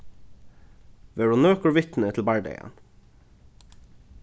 vóru nøkur vitni til bardagan